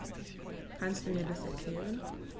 Kannst du mir das erklären?